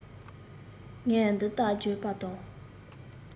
ངས འདི ལྟར བརྗོད པ དང